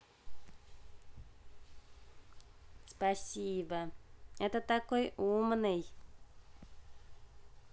спасибо это такой умный